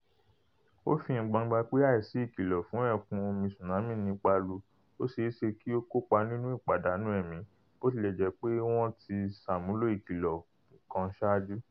Ó fì hàn gbangba pé àìsí ìkìlọ̀ fún ẹ̀kún omi tsunami ní Palu, ó ṣeé ṣe kí ó kópà nínú ìpadànù ẹ̀mí, bó tilẹ̀ jẹ́ pé wọ́n tí ṣàmúlò ìkìlọ̀ kan ṣáájú.